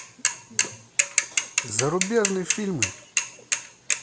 зарубежные фильмы